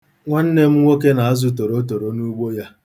Nwanne m nwoke na-azụ torotoro n'ugbo ya.